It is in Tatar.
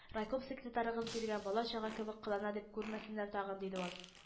Райком секретарыгыз биргән бала-чага кебек кылана ди күрмәсеннәр тагын,—диде ул